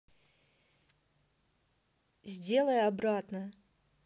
сделай обратно